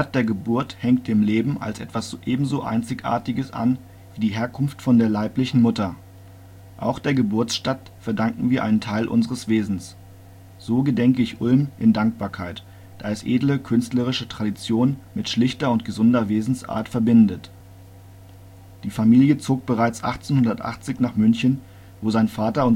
der Geburt hängt dem Leben als etwas ebenso Einzigartiges an wie die Herkunft von der leiblichen Mutter. Auch der Geburtsstadt verdanken wir einen Teil unseres Wesens. So gedenke ich Ulm in Dankbarkeit, da es edle künstlerische Tradition mit schlichter und gesunder Wesensart verbindet. “Die Familie zog bereits 1880 nach München, wo sein Vater